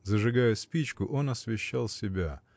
Зажигая спичку, он освещал себя.